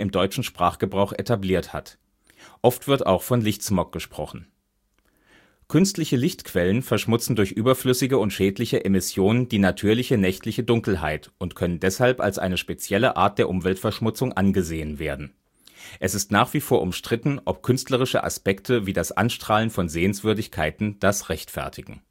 deutschen Sprachgebrauch etabliert hat. Oft wird auch von Lichtsmog gesprochen. Künstliche Lichtquellen verschmutzen durch überflüssige und schädliche Emissionen die natürliche nächtliche Dunkelheit und können deshalb als eine spezielle Art der Umweltverschmutzung angesehen werden. Es ist nach wie vor umstritten, ob künstlerische Aspekte wie das Anstrahlen von Sehenswürdigkeiten das rechtfertigen